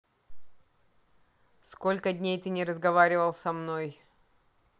сколько дней ты не разговаривал со мной